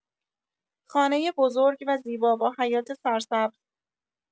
خانۀ بزرگ و زیبا با حیاط سرسبز